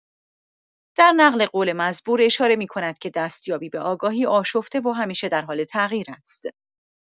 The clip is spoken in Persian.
در نقل‌قول مزبور، اشاره می‌کند که دستیابی به آگاهی آشفته و همیشه در حال تغییر است.